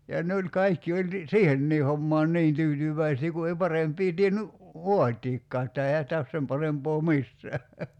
ja ne oli kaikki oli niin siihenkin hommaan niin tyytyväisiä kun ei parempia tiennyt vaatiakaan että eihän sitä ole sen parempaa missään